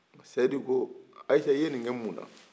seyidu ko ayisa i ye nin kɛ muna